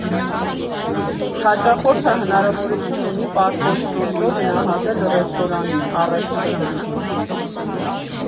Հաճախորդը հնարավորություն ունի պատվերից հետո գնահատել ռեստորանին, առաքիչին։